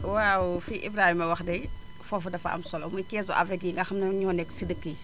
waaw fi Ibrahima wax de foofu dafa am solo muy keesu avec yi nga xam ne ñoo nekk si dëkk yi